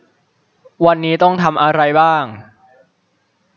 วันนี้ต้องทำอะไรบ้าง